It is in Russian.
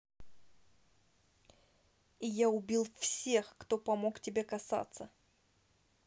я убил всех кто помог тебе касаться